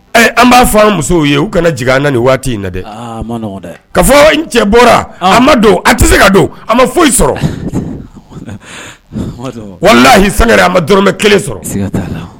An b'a fɔ musow ye u kana jigin an na nin waati in na dɛ ka fɔ cɛ bɔra ma don a tɛ se ka don a ma foyi sɔrɔ wala' san a ma dɔrɔnɔrɔmɛ kelen sɔrɔ